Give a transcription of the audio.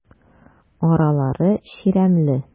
Аралары чирәмле.